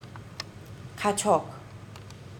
ཁ ཕྱོགས